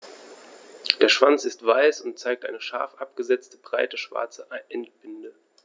Der Schwanz ist weiß und zeigt eine scharf abgesetzte, breite schwarze Endbinde.